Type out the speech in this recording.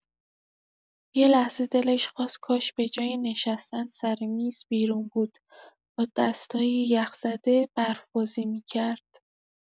یه لحظه دلش خواست کاش به‌جای نشستن سر میز، بیرون بود، با دستای یخ‌زده برف‌بازی می‌کرد.